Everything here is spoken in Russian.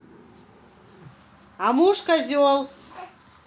а муж козел